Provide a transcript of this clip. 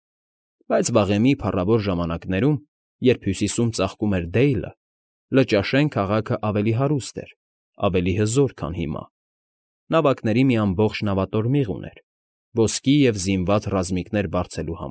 Բայց վաղեմի փառավոր ժամանակներում, երբ Հյուսիսում ծաղկում էր Դեյլը, Լճաշեն քաղաքն ավելի հարուստ էր, ավելի հզոր, քան հիմա, նավակների մի ամբողջ նավատորմիղ ուներ՝ ոսկի և զինված ռազմիկներ բարձելու։